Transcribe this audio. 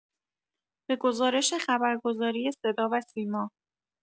به گزارش خبرگزاری صدا و سیما